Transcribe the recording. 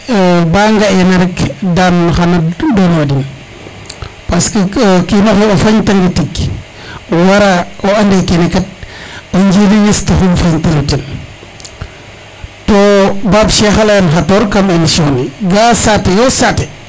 ba nga ena rek daan xana doon wa den parce que o kino xe a fañ tange tig wara o ande kene kat o njiriñes taxu um fañ telo ten to Bab cheikh a leyan xator kam émission ne ga'a sate yo sate